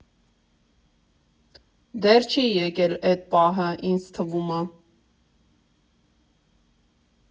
Դեռ չի եկել էդ պահը, ինձ թվում ա։